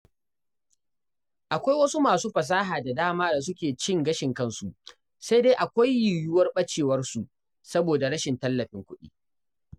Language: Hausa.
'Akwai wasu masu fasaha da dama da suke cin gashin kansu, sai dai akwai yiwuwar ɓacewarsu saboda rashin tallafin kuɗi''.